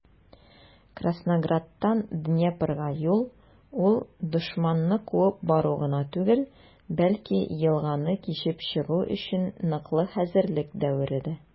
Краснограддан Днепрга юл - ул дошманны куып бару гына түгел, бәлки елганы кичеп чыгу өчен ныклы хәзерлек дәвере дә.